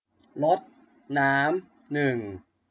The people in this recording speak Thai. รดน้ำหนึ่ง